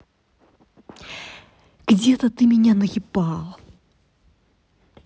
где то ты меня наебал